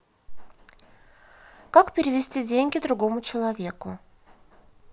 как перевести деньги другому человеку